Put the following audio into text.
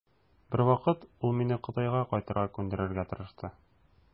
Бер вакыт ул мине Кытайга кайтырга күндерергә тырышты.